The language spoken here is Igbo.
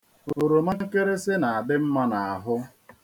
Oromankịrịsị na-adị mma n'ahụ.